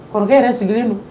Kɔrɔkɛ yɛrɛ sigilen don